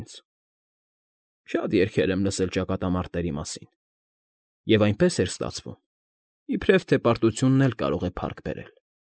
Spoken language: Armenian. Ինձ… Շատ երգեր եմ լսել ճակատամարտերի մասին, և այնպես էր ստացվում, իբրև թե պարտությունն էլ կարող է փառք բերել։